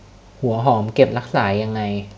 หัวหอมเก็บรักษายังไง